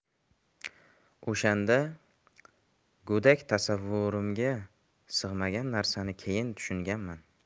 o'shanda go'dak tasavvurimga sig'magan narsani keyin tushunganman